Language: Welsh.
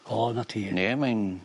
O 'na ti. Ie mae'n